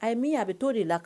A ye min a bɛ to de la